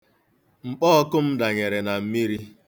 Mkpọọkụ m danyere na mmiri.